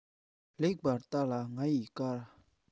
ལེགས པར བརྟག ལ ང ཡི བཀའ